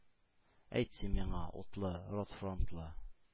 Әйт син миңа: утлы, «Рот-фронтлы